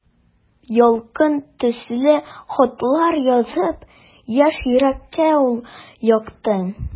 Ялкын төсле хатлар язып, яшь йөрәккә ут яктың.